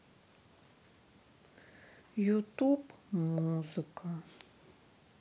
ютуб музыка